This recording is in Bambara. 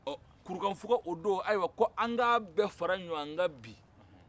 kurukanfuga o don ko ayiwa ko ank'a bɛɛ fara ɲɔɔn kan bi